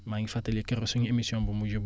maa ngi fàttali keroog suñu émission bu mujj